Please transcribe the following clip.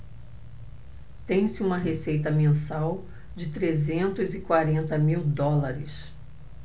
tem-se uma receita mensal de trezentos e quarenta mil dólares